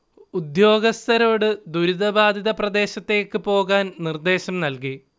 ഉദ്യോഗസഥരോട് ദുരിതബാധിത പ്രദേശത്തേക്ക് പോകാൻ നിർദേശം നൽകി